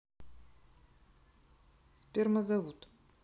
сперма зовут